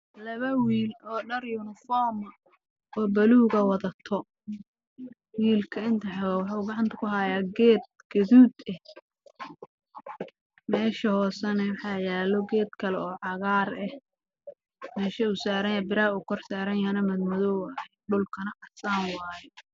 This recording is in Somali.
Waa labo wiil oo dhar uniform ah wadato